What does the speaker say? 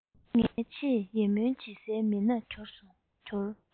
ངའི ཆེས ཡིད སྨོན སྐྱེ སའི མི སྣ རུ གྱུར